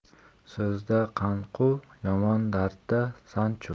so'zda qanquv yomon dardda sanchuv